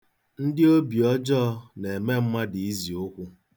Ndị obi ọjọọ na-eme mmadụ iziụkwụ.